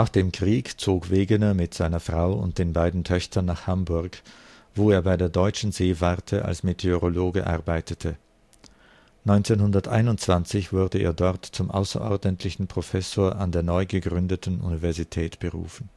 dem Krieg zog Wegener mit seiner Frau und den beiden Töchtern nach Hamburg, wo er bei der Deutschen Seewarte als Meteorologe arbeitete. 1921 wurde er dort zum außerordentlichen Professor an der neu gegründeten Universität berufen